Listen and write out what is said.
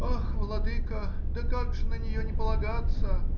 — Ах, владыко, да как же на нее не полагаться